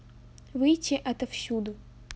выйти отовсюду